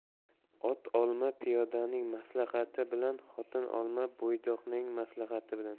ot olma piyodaning maslahati bilan xotin olma bo'ydoqning maslahati bilan